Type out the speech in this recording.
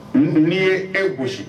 Numu' ye e gosi